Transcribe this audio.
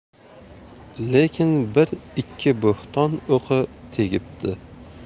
lekin bir ikki bo'hton o'qi tegibdi